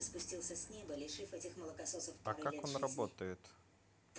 а как он работает